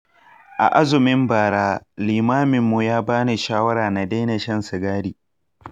a azumin bara limaminmu ya bani shawara na daina shan sigari.